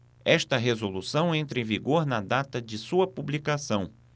esta resolução entra em vigor na data de sua publicação